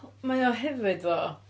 Mae o hefyd ddo...